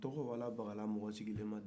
tɔgɔ bɛ taa baga mɔgɔ sigilen ma k'i sɔn